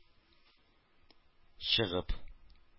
Чыгып